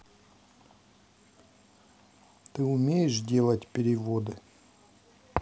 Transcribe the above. ты умеешь делать переводы